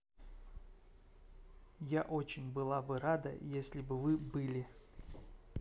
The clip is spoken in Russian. я очень была рада если бы вы были